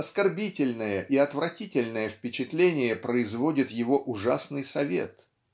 Оскорбительное и отвратительное впечатление производит его ужасный совет